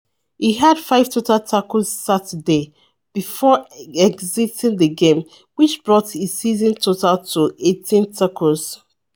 He had five total tackles Saturday before exiting the game, which brought his season total to 18 tackles.